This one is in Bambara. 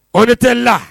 O de tɛ la